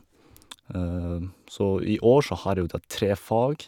Så i år så har jeg jo tatt tre fag.